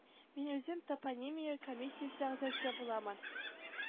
Мин үзем топонимия комиссиясе әгъзасы буламын